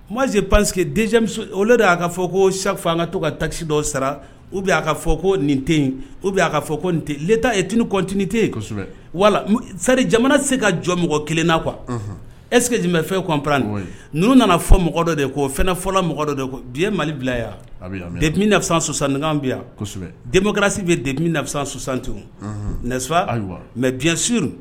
Mae pasise que de y'a ka fɔ ko safan an ka to ka takisi dɔw sara u bɛ'a ka fɔ ko nint u bɛ'a ka fɔ tatini kɔntin tɛ yen wala sari jamana se ka jɔ mɔgɔ kelenna qu esseji fɛn kɔnp n nana fɔ mɔgɔ dɔ de ko f fɔlɔla mɔgɔ dɔ biye mali bila yanbi demi nasan bi yan densi bɛ demi nafa susan tusfa mɛ bi suur